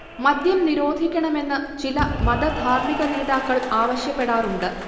മദ്യം നിരോധിക്കണമെന്ന് ചില മത ധാർമ്മിക നേതാക്കൾ ആവശ്യപ്പെടാറുണ്ട്